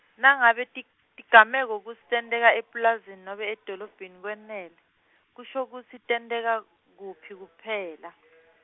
nangabe tig- tigameko kutsi tenteka epulazini nobe edolobheni kwenele, kusho kutsi tenteka, kuphi kuphela.